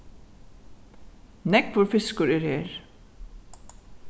nógvur fiskur er her